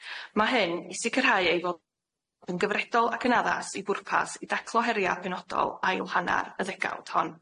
Ma' hyn i sicrhau ei fod yn gyfredol ac yn addas i bwrpas i daclo heria' penodol ail hannar y ddegawd hon.